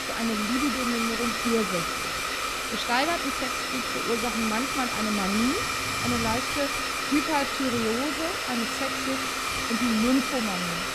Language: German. eine Libidominderung ursächlich. Gesteigerten Sextrieb verursachen manchmal eine Manie, eine leichte Hyperthyreose, eine Sexsucht und die Nymphomanie